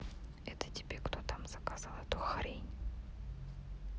это тебе кто там заказал эту хрень